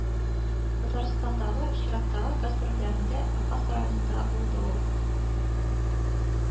Татарстандагы чираттагы гастрольләрендә Апас районында булды ул